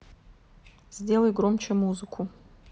сделай громче музыку